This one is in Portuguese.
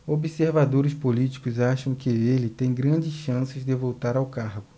observadores políticos acham que ele tem grandes chances de voltar ao cargo